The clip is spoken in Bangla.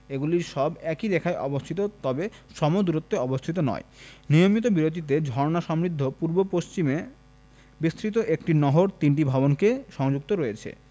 এগুলির সব একই রেখায় অবস্থিত তবে সম দূরত্বে অবস্থিত নয় নিয়মিত বিরতিতে ঝর্ণা সমৃদ্ধ পূর্ব পশ্চিমে বিস্তৃত একটি নহর তিনটি ভবনকে সংযুক্ত রয়েছে